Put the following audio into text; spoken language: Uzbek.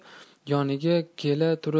yoniga kela turib